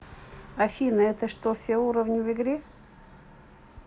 афина это что все уровни в игре